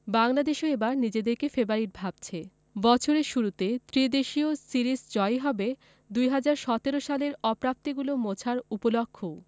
বাংলাদেশও এবার নিজেদের ফেবারিট ভাবছে বছরের শুরুতে ত্রিদেশীয় সিরিজ জয়ই হবে ২০১৭ সালের অপ্রাপ্তিগুলো মোছার উপলক্ষও